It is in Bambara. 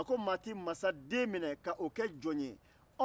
ɔ ko maa tɛ mansa den minɛ k'a o kɛ jɔn ye